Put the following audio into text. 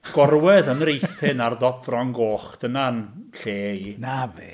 Gorwedd yn yr eithin ar dop Fron Goch, dyna'n lle i... Na fe!